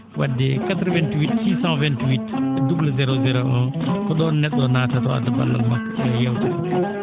wadde 88 628 00 01 ko ?oo ne??o o naatata o adda ballal makko e yeewtere nde